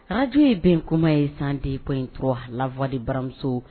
Arajo ye bɛnkuma ye 102.3 la voix de baramuso